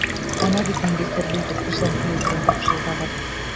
Әнә бит нинди серле итеп печән өю турында пышылдады.